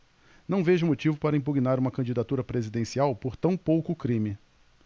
não vejo motivo para impugnar uma candidatura presidencial por tão pouco crime